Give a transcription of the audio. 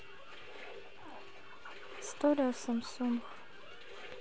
история самсунг